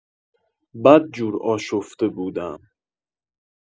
بدجور آشفته بودم.